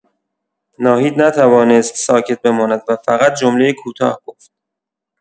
ناهید نتوانست ساکت بماند و فقط جمله‌ای کوتاه گفت.